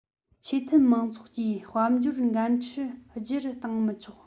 ཆོས དད མང ཚོགས ཀྱི དཔལ འབྱོར འགན འཁྲི ལྗི རུ བཏང མི ཆོག